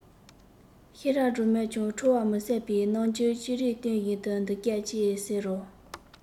ཤེས རབ སྒྲོལ མས ཀྱང ཁྲོ བ མི ཟད པའི རྣམ འགྱུར ཅི རིགས སྟོན བཞིན དུ འདི སྐད ཅེས ཟེར རོ